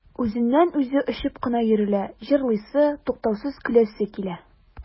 Үзеннән-үзе очып кына йөрелә, җырлыйсы, туктаусыз көләсе килә.